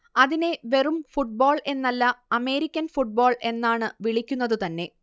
അതിനെ വെറും ഫുട്ബോൾ എന്നല്ല അമേരിക്കൻ ഫുട്ബോൾ എന്നാണ് വിളിക്കുന്നത് തന്നെ